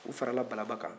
u farala balaba kan